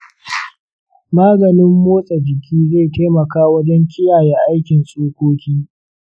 maganin motsa jiki zai taimaka wajen kiyaye aikin tsokoki.